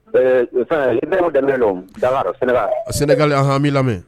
A sɛnɛga a hamii lamɛn